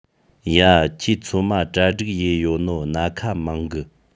ཡ ཁྱོས ཚོད མ གྲ སྒྲིག ཡས ཡོད ནོ སྣ ཁ མང གི